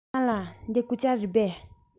ཉི མ ལགས འདི རྐུབ བཀྱག རེད པས